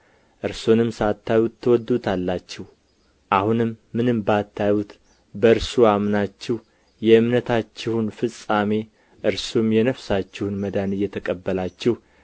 እርሱንም ሳታዩት ትወዱታላችሁ አሁንም ምንም ባታዩት በእርሱ አምናችሁ የእምነታችሁን ፍፃሜ እርሱም የነፍሳችሁን መዳን እየተቀበላችሁ